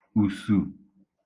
ùsù